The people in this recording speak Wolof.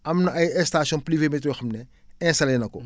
am na ay stations pluviométrique yoo xam ne installé na ko